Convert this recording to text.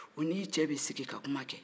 u n'i cɛ bɛ sigi k'a kuma kɛ